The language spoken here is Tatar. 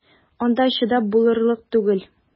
Анда чыдап булырлык түгел!